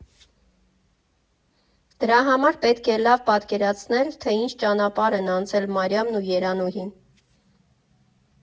Դրա համար պետք է լավ պատկերացնել, թե ինչ ճանապարհ են անցել Մարիամն ու Երանուհին։